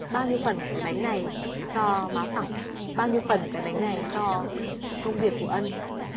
bao nhiêu phần của cái bánh này cho má phẳng bao nhiêu phần cái bánh này cho công việc của ân